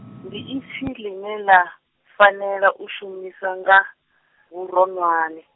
ndi ipfi ḽine ḽa, fanela u shumiswa nga, vhuronwane.